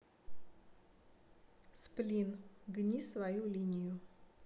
сплин гни свою линию